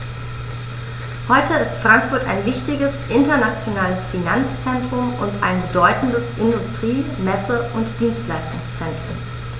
Heute ist Frankfurt ein wichtiges, internationales Finanzzentrum und ein bedeutendes Industrie-, Messe- und Dienstleistungszentrum.